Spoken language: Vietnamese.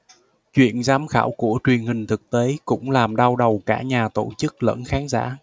chuyện giám khảo của truyền hình thực tế cũng làm đau đầu cả nhà tổ chức lẫn khán giả